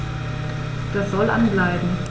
Das soll an bleiben.